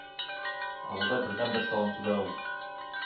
Авылда бердәнбер салам түбә ул